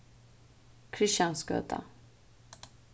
kristiansgøta